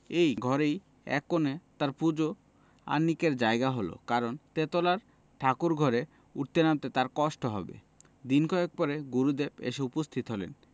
এই ঘরেরই এক কোণে তাঁর পূজো আহ্নিকের জায়গা হলো কারণ তেতলার ঠাকুরঘরে উঠতে নামতে তাঁর কষ্ট হবে দিন কয়েক পরে গুরুদেব এসে উপস্থিত হলেন